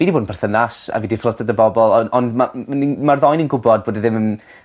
fi 'di bod yn perthynas a fi 'di fflyrto 'da bobol on' ond ma' m- ma' ni.. .Ma'r ddoi o ni'n gwbod bod e ddim yn